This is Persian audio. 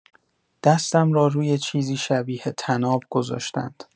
دستم را روی چیزی شبیه طناب گذاشتند.